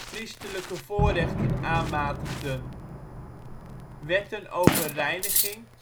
voorrechten aanmatigden. Wetten over reiniging